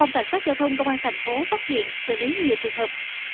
phòng cảnh sát giao thông công an thành phố phát hiện xử lý nhiều trường hợp